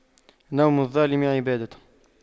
نوم الظالم عبادة